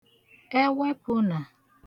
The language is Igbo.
ẹwẹpụnà